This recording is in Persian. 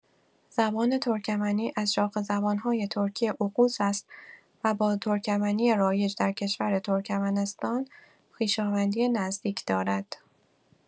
زبان ترکمنی از شاخه زبان‌های ترکی اوغوز است و با ترکمنی رایج در کشور ترکمنستان خویشاوندی نزدیک دارد.